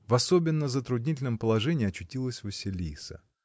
В особенно затруднительном положении очутилась Василиса.